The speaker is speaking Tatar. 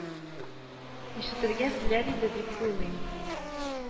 Ишетергә теләр иде, дип уйлыйм